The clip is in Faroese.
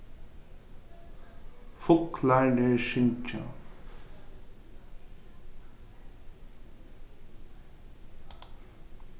fuglarnir syngja